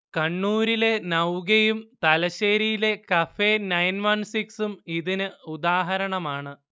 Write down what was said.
കണ്ണൂരിലെ നൗകയും തലശ്ശേരിയിലെ കഫേ നയൻ വൺ സിക്സും ഇതിനു ഉദാഹരണമാണ്